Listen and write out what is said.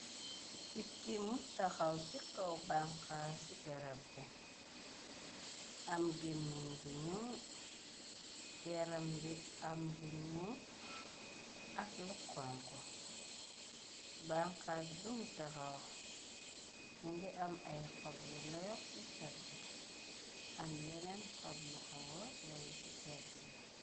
wikki mu taxaw ci kaw banxaa ci garab bi am gémmiñ bu nu yeram bi am lu ñuul ak luxonku banxaas bimu taxaw mingi am ay xob yu loyox ci cat bi am yeneen xob yu xawo rëyé ci pegg bi